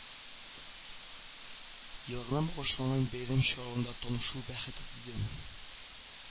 Еллыгына багышланган бәйрәм чараларында танышу бәхете тиде